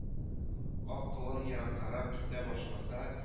Ак колын ераккарак китә башласа